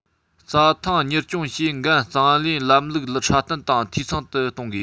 རྩྭ ཐང གཉེར སྐྱོང བྱེད འགན གཙང ལེན ལམ ལུགས སྲ བརྟན དང འཐུས ཚང དུ གཏོང དགོས